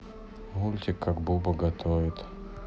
мультик как буба готовит